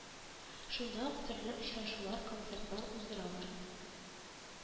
Шунда ук төрле очрашулар, концертлар уздыралар